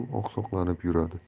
u oqsoqlanib yuradi